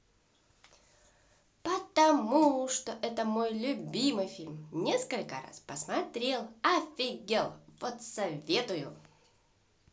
потому что это мой любимый фильм несколько раз посмотрел офигел вот советую